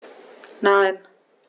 Nein.